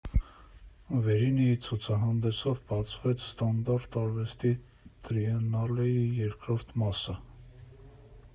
Վերինիի ցուցահանդեսով բացվեց «Ստանդարտ» արվեստի տրիենալեի երկրորդ մասը։